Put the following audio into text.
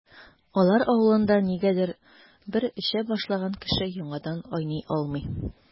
Алар авылында, нигәдер, бер эчә башлаган кеше яңадан айный алмый.